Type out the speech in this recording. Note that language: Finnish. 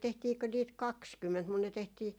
tehtiinkö niitä kaksikymmentä mutta ne tehtiin